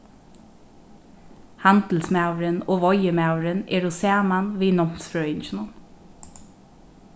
handilsmaðurin og veiðimaðurin eru saman við námsfrøðinginum